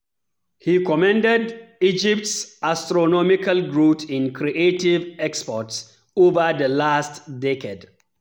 He commended Egypt’s "astronomical growth in creative exports over the last decade".